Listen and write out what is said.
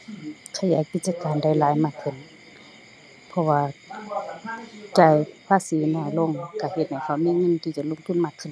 ขยายกิจการได้หลายมากขึ้น เพราะว่าจ่ายภาษีน้อยลง ก็เฮ็ดให้เขามีเงินที่จะลงทุนมากขึ้น